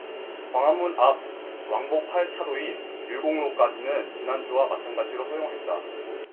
광화문 앞 왕복 팔 차로인 율곡로까지는 지난주와 마찬가지로 허용했다